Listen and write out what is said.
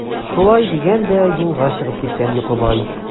Шулай дигән дә юлга чыгып киткән Йокыбай.